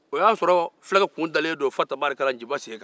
o y'a sɔrɔ fulakɛ kun dalen don fatabiakala nciba sen kan